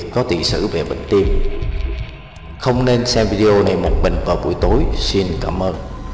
có tiền sử về bệnh tim không nên xem video này một mình vào buổi tối xin cảm ơn